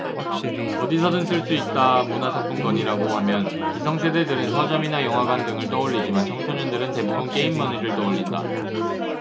어디서든 쓸 수 있다문화상품권이라고 하면 기성세대들은 서점이나 영화관 등을 떠올리지만 청소년들은 대부분 게임머니를 떠올린다